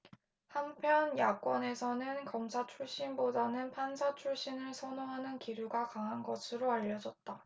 한편 야권에서는 검사 출신보다는 판사 출신을 선호하는 기류가 강한 것으로 알려졌다